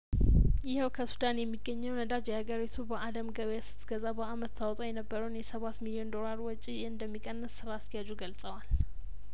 ይኸው ከሱዳን የሚገኘው ነዳጅ አገሪቱ በአለም ገበያስት ገዛ በአመት ታወጣው የነበረውን የሰባት ሚሊዮን ዶላር ወጪ እንደሚቀንስ ስራ አስኪያጁ ገልጸዋል